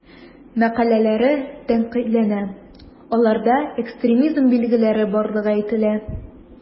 Мәкаләләре тәнкыйтьләнә, аларда экстремизм билгеләре барлыгы әйтелә.